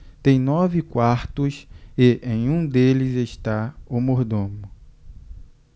tem nove quartos e em um deles está o mordomo